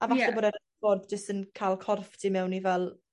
a falle bod yr bod jyst yn ca'l corff ti mewn i fel